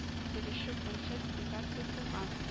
Төзелеше буенча делегация булган